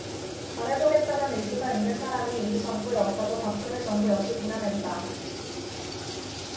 잘해보겠다는 의지가 있는 사람이 이 정부에 없다고 박근혜 정부 역시 비난했다